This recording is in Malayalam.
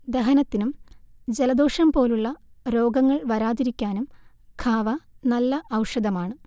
ദഹനത്തിനും ജലദോഷം പോലുള്ള രോഗങ്ങൾ വരാതിരിക്കാനും ഖാവ നല്ല ഔഷധമാണ്